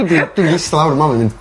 Dw dim dwi'm myn' i ista lawr â mam a mynd